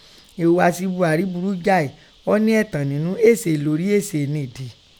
Ẹ̀hùghàsíi Buhari burú jáyì, ọ́ ní ẹ̀tàn nínú, éè sèè l'órí éè sèè nẹ́ ìdí.